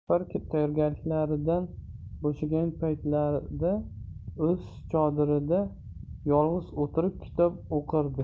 safar tayyorgarliklaridan bo'shagan paytlarda o'z chodirida yolg'iz o'tirib kitob o'qirdi